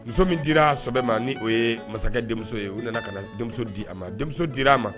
Muso min di abɛ ma ni o ye masakɛ denmuso ye u nana ka na denmuso di a ma denmuso dira a ma